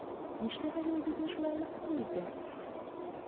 Нишләп әле ул безне шулай мыскыл итә?